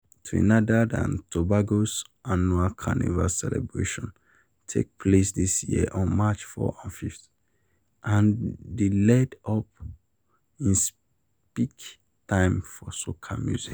Trinidad and Tobago's annual Carnival celebrations take place this year on March 4 and 5, and the lead up is peak time for soca music.